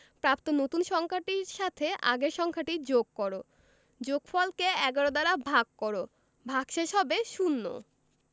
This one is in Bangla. প্রাপ্ত নতুন সংখ্যাটির সাথে আগের সংখ্যাটি যোগ কর যোগফল কে ১১ দ্বারা ভাগ কর ভাগশেষ হবে শূন্য